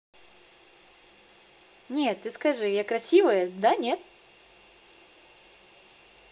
нет ты скажи я красивая да нет